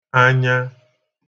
anya